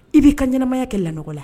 I b'i ka ɲɛnamaya kɛ la ɲɔgɔnɔgɔ la